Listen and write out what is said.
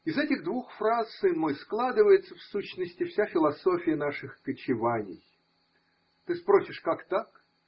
Из этих двух фраз, сын мой, складывается, в сущности, вся философия наших кочевании. Ты спросишь: как так?